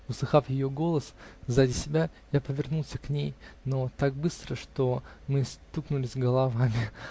Услыхав ее голос сзади себя, я повернулся к ней, но так быстро, что мы стукнулись головами